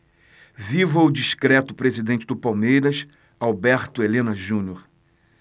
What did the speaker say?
viva o discreto presidente do palmeiras alberto helena junior